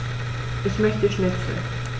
Ich möchte Schnitzel.